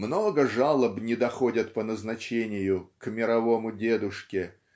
много жалоб не доходят по назначению к мировому дедушке